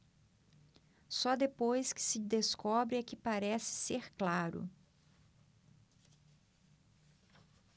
só depois que se descobre é que parece ser claro